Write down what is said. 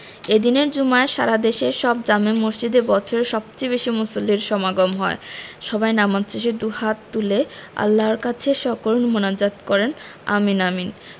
এ দিনের জুমায় সারা দেশের সব জামে মসজিদে বছরের সবচেয়ে বেশি মুসল্লির সমাগম হয় সবাই নামাজ শেষে দুহাত তুলে আল্লাহর কাছে সকরুণ মোনাজাত করে আমিন আমিন